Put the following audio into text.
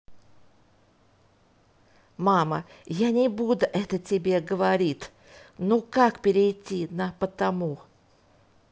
мама я не буду это тебе говорит ну как перейти на потому